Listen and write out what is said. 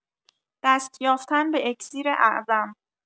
دست‌یافتن به اکسیر اعظم